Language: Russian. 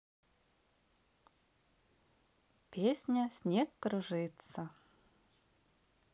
песня снег кружится